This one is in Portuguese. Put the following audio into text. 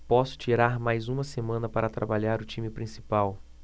posso tirar mais uma semana para trabalhar o time principal